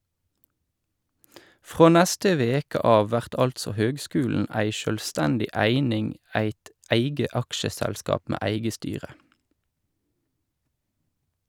Frå neste veke av vert altså høgskulen ei sjølvstendig eining, eit eige aksjeselskap med eige styre.